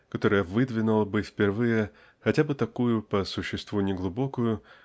которая выдвинула бы впервые хотя бы такую по существу не глубокую